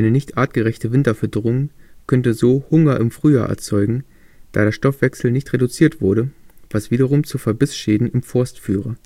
nicht artgerechte Winterfütterung könnte so Hunger im Frühjahr erzeugen, da der Stoffwechsel nicht reduziert wurde, was wiederum zu Verbissschäden im Forst führe